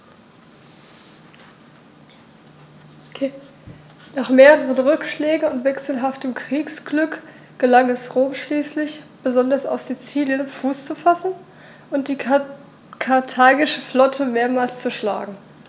Nach mehreren Rückschlägen und wechselhaftem Kriegsglück gelang es Rom schließlich, besonders auf Sizilien Fuß zu fassen und die karthagische Flotte mehrmals zu schlagen.